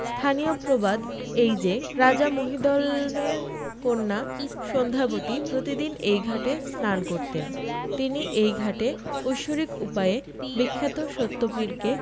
স্থানীয় প্রবাদ এই যে রাজা মহিদলনের কন্যা সন্ধ্যাবতী প্রতিদিন এই ঘাটে স্নান করতেন তিনি এই ঘাটে ঐশ্বরিক উপায়ে বিখ্যাত সত্যপীরকে